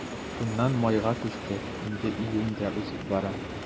Шуннан майга күчте, инде июнь дә узып бара.